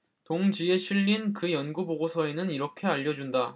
동 지에 실린 그 연구 보고서에서는 이렇게 알려 준다